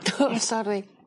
Ty- o sori